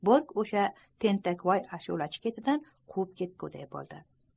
bork o'sha tentakvoy ashulachi ketidan quvib ketguday bo'ldi